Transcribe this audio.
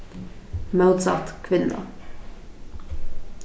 mótsatt kvinna